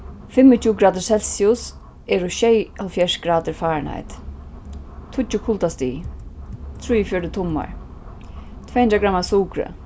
fimmogtjúgu gradir celsius eru sjeyoghálvfjerðs gradir fahrenheit tíggju kuldastig trýogfjøruti tummar tvey hundrað gramm av sukri